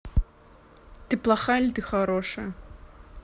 ты плохая или ты хорошая